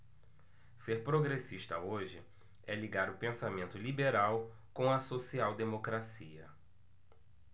ser progressista hoje é ligar o pensamento liberal com a social democracia